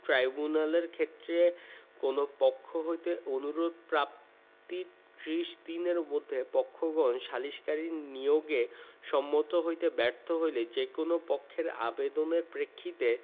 ট্রাইব্যুনালের ক্ষেত্রে কোন পক্ষ হইতে অনুরোধ প্রাপ্তির ত্রিশ দিনের মধ্যে পক্ষগণ সালিসকারী নিয়োগে সম্মত হইতে ব্যর্থ হইলে যে কোন পক্ষের আবেদনের প্রেক্ষিতে